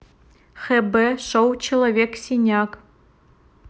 хб шоу человек синяк